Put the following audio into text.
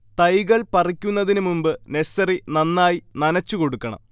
തൈകൾ പറിക്കുന്നതിന് മുമ്പ് നഴ്സറി നന്നായി നനച്ചുകൊടുക്കണം